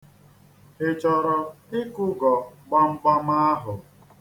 Ị chọrọ ịkụgọ gbamgbam ahụ?